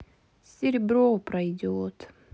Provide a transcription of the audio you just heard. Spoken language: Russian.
serebro пройдет